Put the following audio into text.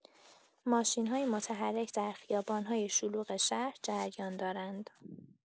ماشین‌های متحرک در خیابان‌های شلوغ شهر جریان دارند.